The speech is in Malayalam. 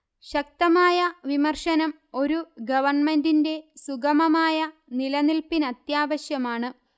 ശക്തമായ വിമർശനം ഒരു ഗവൺമെന്റിന്റെ സുഗമമായ നിലനില്പിനത്യാവശ്യമാണ്